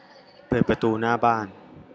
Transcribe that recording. เปิดประตูหน้าบ้าน